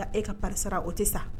E ka pa sara o tɛ sa